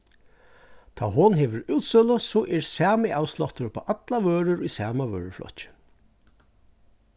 tá hon hevur útsølu so er sami avsláttur upp á allar vørur í sama vøruflokki